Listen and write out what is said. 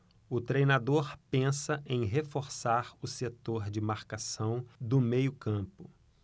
o treinador pensa em reforçar o setor de marcação do meio campo